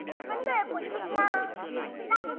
chị là chị